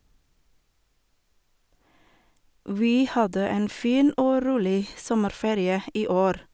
Vi hadde en fin og rolig sommerferie i år.